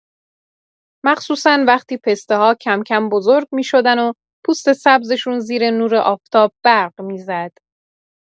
مخصوصا وقتی پسته‌ها کم‌کم بزرگ می‌شدن و پوست سبزشون زیر نور آفتاب برق می‌زد.